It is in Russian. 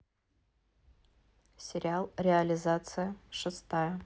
сериал реализация шестая